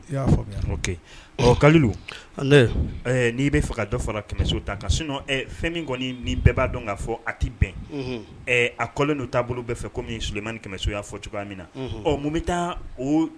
I y'a ka n'i bɛ faga dɔ fara kɛmɛso ta ka sun fɛn min kɔni ni bɛɛ b'a dɔn ka fɔ a tɛ bɛn a kɔlen n taabolo bolo bɛ fɛ kɔmi soolomani kɛmɛso y'a fɔ cogoya min na ɔ mun bɛ taa o